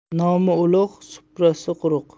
nomi ulug' suprasi quruq